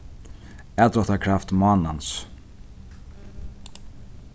atdráttarkraft mánans